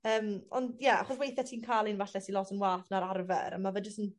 Yym on' ie acho' weithie ti'n ca'l un falle sy lot yn wath na'r arfer a ma' fe jys 'n